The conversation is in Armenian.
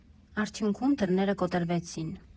Արդյունքում դռները կոտրվեցին։